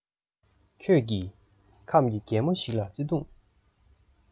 ཁྱོད ཀྱིས ཁམས ཀྱི རྒན མོ ཞིག ལ བརྩེ དུང